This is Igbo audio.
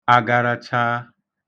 agarachaa